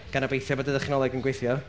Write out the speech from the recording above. G obeithio bod y dechnoleg yn gweithio.